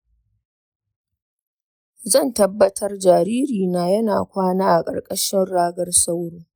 zan tabbatar jaririna yana kwana a ƙarƙashin ragar sauro.